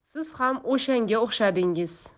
siz ham o'shanga o'xshadingiz